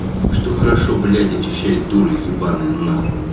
что хорошо блядь очищает дура ебаная нахуй